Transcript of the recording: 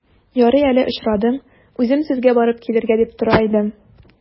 Ярый әле очрадың, үзем сезгә барып килергә дип тора идем.